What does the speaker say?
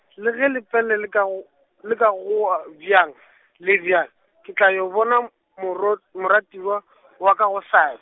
le ge Lepelle la ka go, le ka goa bjang , le bjang , ke tla yo bona moro-, moratiwa, wa ka gosasa.